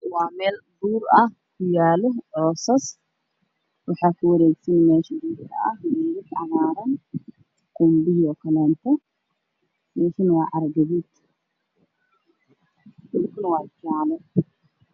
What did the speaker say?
Waa meel buur ah waxaa ku yaalla caws waxaa ku wareegsan fiilooyin cagaar ah